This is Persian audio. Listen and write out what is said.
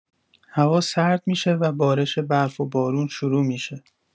هوا سرد می‌شه و بارش برف و بارون شروع می‌شه.